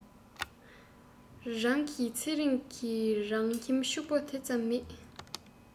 རང གི ཚེ རིང གི རང ཁྱིམ ཕྱུག པོ དེ ཙམ མེད